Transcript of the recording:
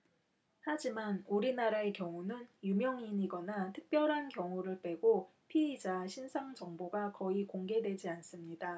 하지만 우리나라의 경우는 유명인이거나 특별한 경우를 빼고 피의자 신상 정보가 거의 공개되지 않습니다